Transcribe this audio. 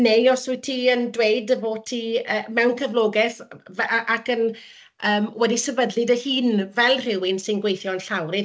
neu os wyt ti yn dweud dy fod ti mewn yy cyflogaeth a ac yn yym wedi sefydlu dy hun fel rhywun sy'n gweithio yn llawrydd,